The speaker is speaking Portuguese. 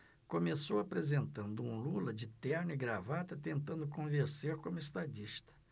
começou apresentando um lula de terno e gravata tentando convencer como estadista